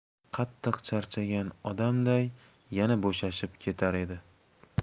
qattiq charchagan odamday yana bo'shashib ketar edi